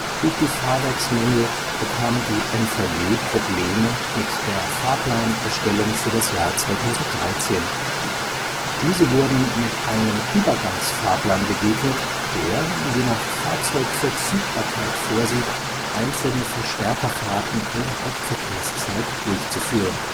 Durch die Fahrwerksmängel bekam die MVG Probleme mit der Fahrplanerstellung für das Jahr 2013. Diese wurden mit einem Übergangsfahrplan begegnet, der, je nach Fahrzeugverfügbarkeit, vorsieht, einzelne Verstärkerfahrten in der Hauptverkehrszeit durchzuführen